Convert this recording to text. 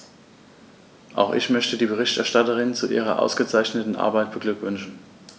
Auch ich möchte die Berichterstatterin zu ihrer ausgezeichneten Arbeit beglückwünschen.